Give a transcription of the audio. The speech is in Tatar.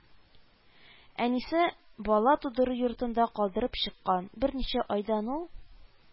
Әнисе бала тудыру йортында калдырып чыккан, берничә айдан ул